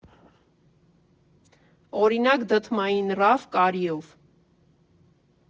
Օրինակ՝ դդմային ռաֆ կարիով։